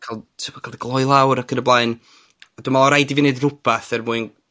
cal t'gwbod y gloi i lawr ac yn y blaen. A dwi me'wl ma' raid i fi neud rwbath er mwyn